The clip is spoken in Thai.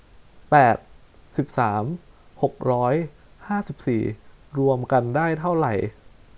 แปดสิบสามหกร้อยห้าสิบสี่รวมกันได้เท่าไหร่